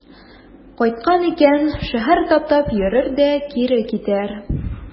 Кайткан икән, шәһәр таптап йөрер дә кире китәр.